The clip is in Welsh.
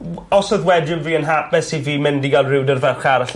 w- os odd wejen fi yn hapus i fi mynd i ga'l ryw 'da'r ferch arall